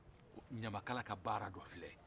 ɲamakala ka baara dɔ filɛ